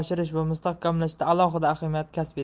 oshirish va mustahkamlashda alohida ahamiyat kasb etdi